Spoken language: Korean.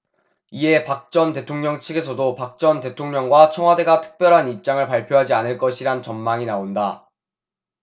이에 박 전 대통령 측에서도 박 전 대통령과 청와대가 특별한 입장을 발표하지 않을 것이란 전망이 나온다